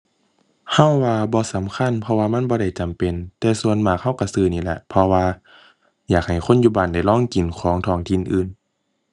เราว่าบ่สำคัญ เพราะว่ามันบ่ได้จำเป็น แต่ส่วนมากเราเราซื้อนี่แหละ เพราะว่าอยากให้คนอยู่บ้านได้ลองกินของท้องถิ่นอื่น